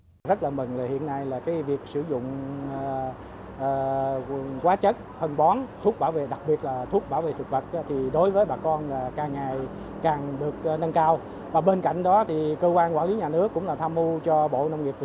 ất là mừng là hiện nay là cái việc sử dụng ờ ờ quá chất phân bón thuốc bảo vệ đặc biệt là thuốc bảo vệ thực vật thì đối với bà con càng ngày càng được nâng cao và bên cạnh đó thì cơ quan quản lý nhà nước cũng là tham mưu cho bộ nông nghiệp